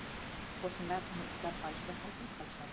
qo'shnilari uni ushlab qolishga harakat qilishadi